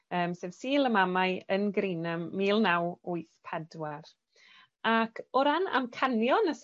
Yym sef Sul y Mamau yn Greenham mil naw wyth pedwar. Ac o ran amcanion y